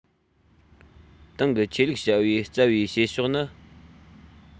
ཏང གི ཆོས ལུགས བྱ བའི རྩ བའི བྱེད ཕྱོགས ནི